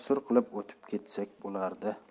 qilib o'tib ketsak bo'ladi